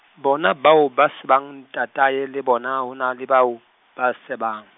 bona bao ba sebang ntatae le bona ho na le bao, ba sebang.